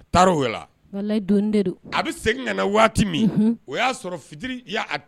A tar'oo wɛla walahi donni de don a b'i segin ŋana waati min unhun o y'a sɔrɔ fitiri y y'a a d